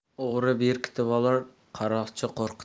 o'g'ri berkitib olar qaroqchi qo'rqitib